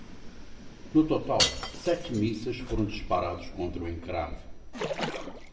no total sete mísseis foram disparados contra o encrave